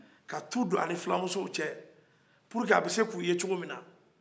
ka tu don a ni fulamusow cɛ pour que a bɛ se k'u ye cogo min na